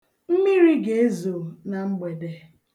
Mmiri ga-ezo na mgbede.